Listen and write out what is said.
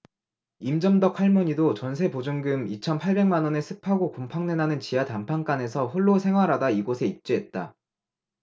임점덕 할머니도 전세 보증금 이천 팔백 만원의 습하고 곰팡내 나는 지하 단칸방에서 홀로 생활하다 이곳에 입주했다